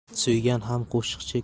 suygan ham qo'shiqchi